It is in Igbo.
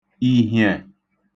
ìhìẹ̀